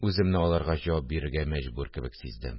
Үземне аларга җавап бирергә мәҗбүр кебек сиздем